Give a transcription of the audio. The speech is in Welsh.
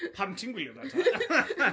Pam ti'n gwylio fe te?